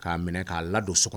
Ka minɛ k'a la don so kɔnɔ